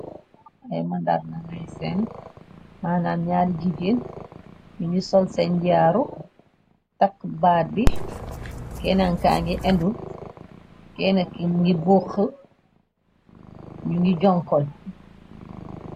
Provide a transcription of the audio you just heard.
Ayma ndarna ngay seen manam ñaari jigeen yuñu sol seen njaaru tak baat bi kenankaa ngi indu kennki ngi box yu ngi jonkon.